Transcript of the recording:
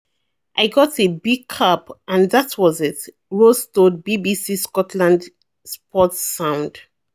I got a B cap and that was it," Ross told BBC Scotland's Sportsound.